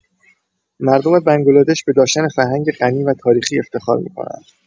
مردم بنگلادش به داشتن فرهنگی غنی و تاریخی افتخار می‌کنند.